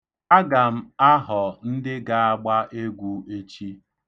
Aga m ahọ ndị ga-agba egwu, echi.